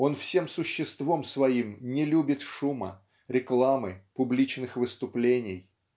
Он всем существом своим не любит шума, рекламы, публичных выступлений